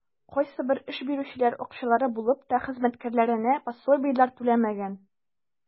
Кайсыбер эш бирүчеләр, акчалары булып та, хезмәткәрләренә пособиеләр түләмәгән.